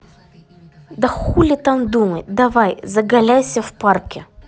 да хули там думать давай заголяйся в парке